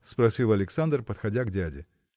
– спросил Александр, подходя к дяде.